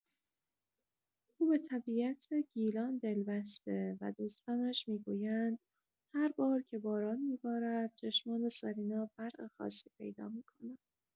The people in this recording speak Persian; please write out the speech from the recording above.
او به طبیعت گیلان دل‌بسته و دوستانش می‌گویند هر بار که باران می‌بارد، چشمان سارینا برق خاصی پیدا می‌کند.